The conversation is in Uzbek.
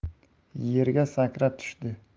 yerga sakrab tushdi